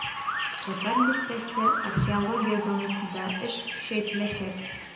"татар бистәсе" археология зонасында эш көчәйтеләчәк.